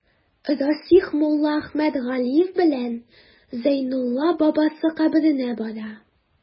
Расих Муллаәхмәт Галиев белән Зәйнулла бабасы каберенә бара.